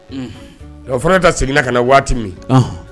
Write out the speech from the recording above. Fana ka seginna ka na waati min